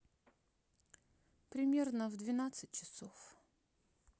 примерно в двенадцать часов